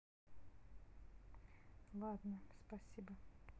ладно спасибо